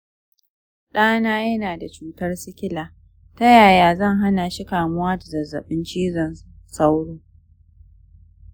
dana yana da cutar sikila, ta yaya zan hana shi kamuwa da zazzaɓin cizon sauro